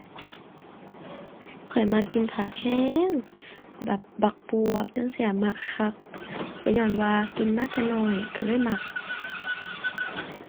ข้อยมักกินผักแรง แบบบักบวบจั่งซี้ มักคัก แรงญ้อนว่ากินมาแต่น้อยแรงเลยมัก